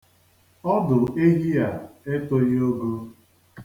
Ọdụ ehi a etoghi ogo.